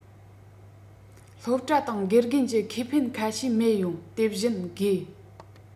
སློབ གྲྭ དང དགེ རྒན གྱི ཁེ ཕན ཁ ཤས རྨས ཡོང དེ བཞིན དགོས